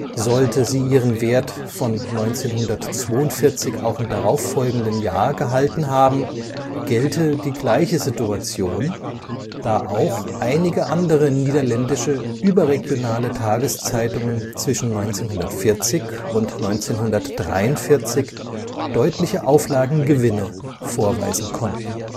Sollte sie ihren Wert von 1942 auch im darauffolgenden Jahr gehalten haben, gälte die gleiche Situation, da auch einige andere niederländische überregionale Tageszeitungen zwischen 1940 und 1943 deutliche Auflagengewinne vorweisen konnten